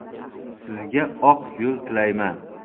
sizga oq yo'l tilayman